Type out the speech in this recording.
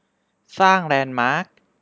สร้างแลนด์มาร์ค